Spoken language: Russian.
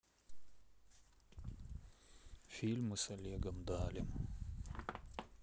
фильмы с олегом далем